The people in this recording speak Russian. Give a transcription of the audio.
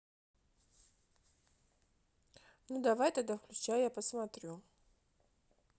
ну давай тогда включай я посмотрю